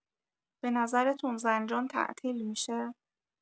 بنظرتون زنجان تعطیل می‌شه؟